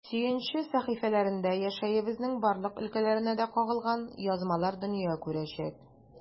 “сөенче” сәхифәләрендә яшәешебезнең барлык өлкәләренә дә кагылган язмалар дөнья күрәчәк.